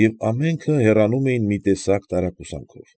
Եվ ամենքը հեռանում էին մի տեսակ տարակուսանքով։